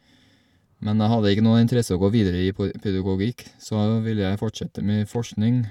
Men jeg hadde ikke noe interesse å gå videre i på pedagogikk, så ville jeg fortsette med forskning.